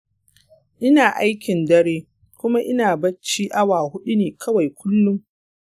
ina aikin dare kuma ina bacci awa huɗu ne kawai kullun